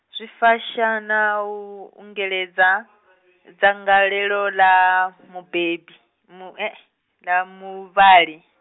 zwi fasha na u ungeledza, dzangalelo ḽa, mubebi mu- he e, ḽa muvhali.